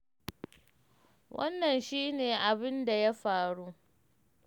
Wannan shi ne abin da ya faru.